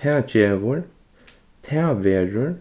tað gevur tað verður